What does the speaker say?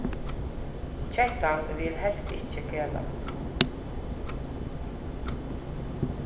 kettan vil helst ikki kelast